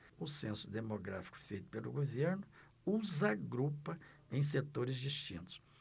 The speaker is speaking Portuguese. o censo demográfico feito pelo governo os agrupa em setores distintos